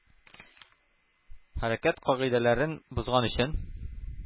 Хәрәкәт кагыйдәләрен бозган өчен